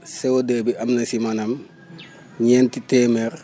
CO2 bi am na si maanaam ñeenti téeméer